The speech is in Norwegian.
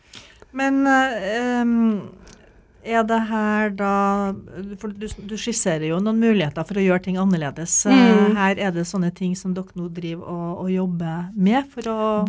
men er det her da fordi du du skisserer jo noen muligheter for å gjøre ting annerledes her er det sånne ting som dere nå driver å å jobber med for å?